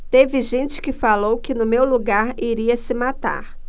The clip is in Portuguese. teve gente que falou que no meu lugar iria se matar